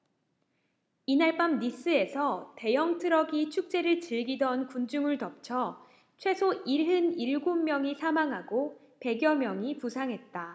이날 밤 니스에서 대형트럭이 축제를 즐기던 군중을 덮쳐 최소 일흔 일곱 명이 사망하고 백 여 명이 부상했다